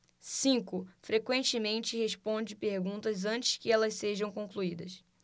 cinco frequentemente responde perguntas antes que elas sejam concluídas